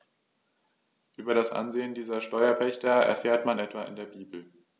Über das Ansehen dieser Steuerpächter erfährt man etwa in der Bibel.